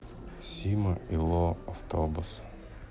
сима и ло автобус